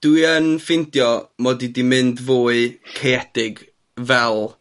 Dwi yn ffeindio mod i 'di mynd fwy caeedig, fel...